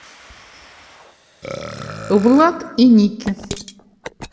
влад и ники